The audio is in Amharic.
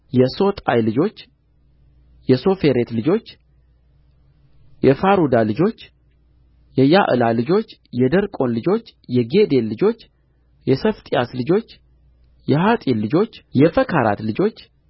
የሶጣይ ልጆች የሶፌሬት ልጆች የፍሩዳ ልጆች የየዕላ ልጆች የደርቆን ልጆች የጌዴል ልጆች የሰፋጥያስ ልጆች የሐጢል ልጆች የፈከራት ልጆች